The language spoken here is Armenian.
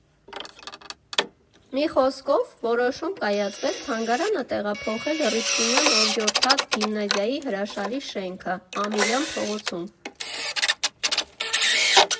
Մի խոսքով, որոշում կայացվեց թանգարանը տեղափոխել Հռիփսիմյան օրիորդաց գիմնազիայի հրաշալի շենքը Ամիրյան փողոցում։